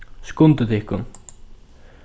skundið tykkum